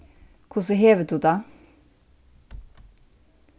hvussu hevur tú tað